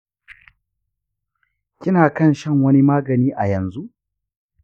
kina kan shan wani magani a yanzu?